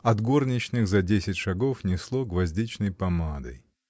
От горничных за десять шагов несло гвоздичной помадой.